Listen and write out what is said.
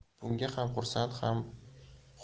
bunga ham xursand